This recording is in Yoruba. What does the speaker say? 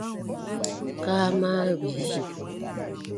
Ka má ri.”